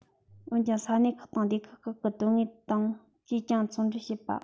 འོན ཀྱང ས གནས ཁག དང སྡེ ཁག ཁག གི དོན དངོས དང ཅིས ཀྱང ཟུང འབྲེལ བྱེད པ